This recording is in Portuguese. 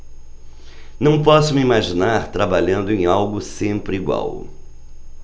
não posso me imaginar trabalhando em algo sempre igual